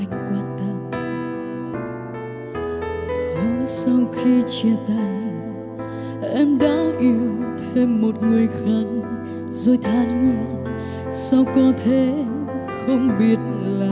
anh quan tâm hôm sau khi chia tay em đã yêu thêm một người khác rồi thản nhiên sao có thể không biết